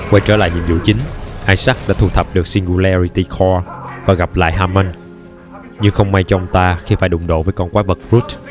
quay trở lại nhiệm vụ chính isaac đã thu thập được singularity core và gặp lại hammond nhưng không may cho ông ta khi phải dụng độ với con quái vật brute